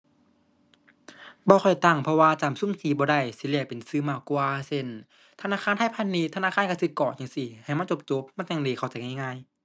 บ่ค่อยตั้ง เพราะว่าจำซุมสีบ่ได้ สิเรียกเป็นชื่อมากกว่า เช่น ธนาคารไทยพาณิชย์ ธนาคารกสิกรจั่งซี้ ให้มันจบจบ มันจั่งได้เข้าใจง่ายง่าย